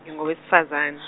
ngingo wesifazane .